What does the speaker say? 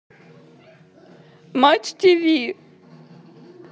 матч тиви